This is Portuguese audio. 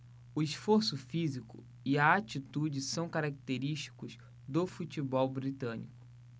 o esforço físico e a atitude são característicos do futebol britânico